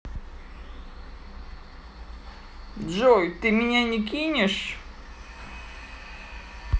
джой ты меня не кинешь